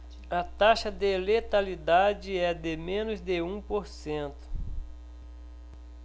a taxa de letalidade é de menos de um por cento